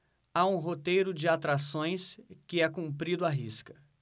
há um roteiro de atrações que é cumprido à risca